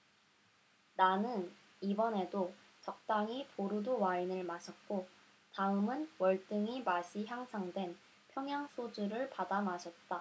나는 이번에는 적당히 보르도 와인을 마셨고 다음은 월등히 맛이 향상된 평양 소주를 받아 마셨다